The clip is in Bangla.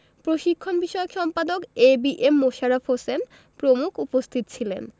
প্রশিক্ষণ বিষয়ক সম্পাদক A B M Mosharraf Hossain প্রমুখ উপস্থিত ছিলেন